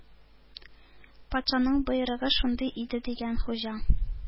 — патшаның боерыгы шундый иде,— дигән хуҗа.